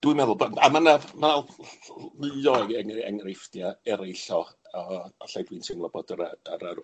Dwi'n meddwl, b- a ma' 'na ma' mwy o eng- enghreifftia' eryll o o o lle dwi'n teimlo bod yr yy yr yr